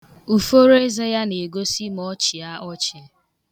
Uforo eze ya na-egosi ma ọ chia ọchị.